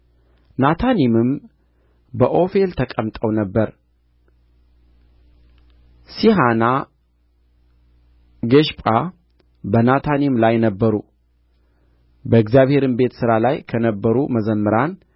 ናታኒምም በዖፌል ተቀምጠው ነበር ሲሐና ጊሽጳ በናታኒም ላይ ነበሩ በእግዚአብሔርም ቤት ሥራ ላይ ከነበሩ መዘምራን